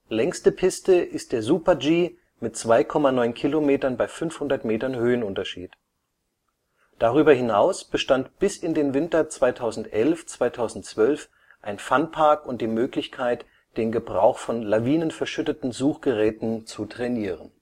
Längste Piste ist der Super G mit 2,9 km bei 500 m Höhenunterschied. Darüber hinaus bestand bis in den Winter 2011/12 ein Funpark und die Möglichkeit, den Gebrauch von Lawinenverschüttetensuchgeräten zu trainieren